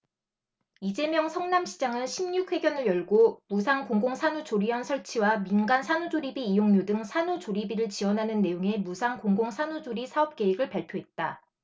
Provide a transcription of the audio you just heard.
이재명 성남시장은 십 육 회견을 열고 무상 공공산후조리원 설치와 민간 산후조리비 이용료 등 산후조리비를 지원하는 내용의 무상 공공산후조리 사업계획을 발표했다